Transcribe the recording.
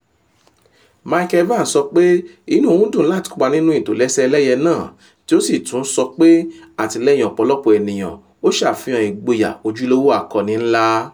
Michael Vann sọ pé “inú òun dùn láti kópa nínú ìtòlẹ́ṣẹ ẹlẹ́yẹ náà” tí ó sì tún sọ pé “Àtìlẹyìn ọ̀pọ̀lọpọ̀ ènìyàn ó ṣàfihàn ìgboyà ojúlówó akọni ńlá."